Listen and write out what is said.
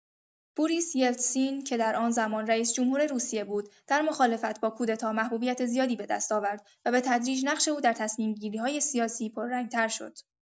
بوریس یلتسین که در آن‌زمان رئیس‌جمهور روسیه بود، در مخالفت با کودتا محبوبیت زیادی به دست آورد و به‌تدریج نقش او در تصمیم‌گیری‌های سیاسی پررنگ‌تر شد.